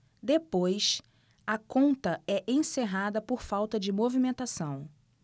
depois a conta é encerrada por falta de movimentação